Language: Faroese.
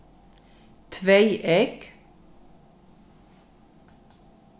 tvey egg